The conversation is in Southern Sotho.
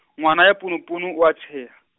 ngwana ya ponopono o a tsheha.